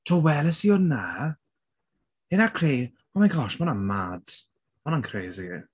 Do welais i hwnna. Ain't that cra... oh my gosh ma' hwnna'n mad. Ma' hwnna'n crazy.